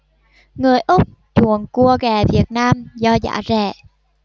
người úc chuộng cua ghẹ việt nam do giá rẻ